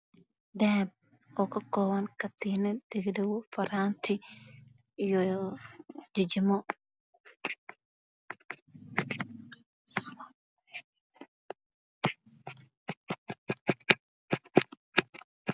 Dahah oo kakooban Katiinad dhaga dhago caraanti iyo jijimo